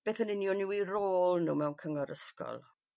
beth yn union yw 'u rôl nw mewn cyngor ysgol.